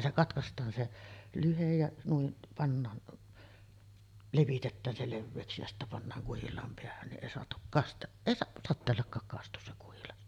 se katkaistaan se lyhde ja noin pannaan levitetään se leveäksi ja sitten pannaan kuhilaan päähän niin ei saatu - ei sateellakaan kastu se kuhilas